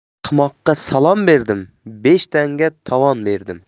ahmoqqa salom berdim besh tanga tovon berdim